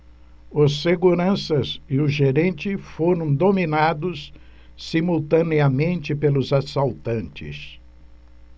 os seguranças e o gerente foram dominados simultaneamente pelos assaltantes